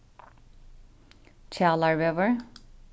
kjalarvegur